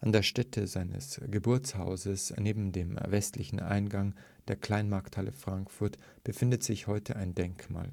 An der Stätte seines Geburtshauses neben dem westlichen Eingang der Kleinmarkthalle Frankfurt befindet sich heute ein Denkmal.